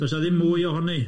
Does 'na ddim mwy ohoni.